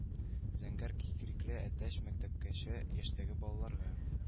Зәңгәр кикрикле әтәч мәктәпкәчә яшьтәге балаларга